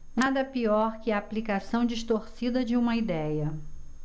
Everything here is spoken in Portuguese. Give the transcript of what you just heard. nada pior que a aplicação distorcida de uma idéia